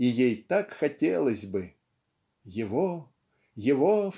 и ей так хотелось бы "его его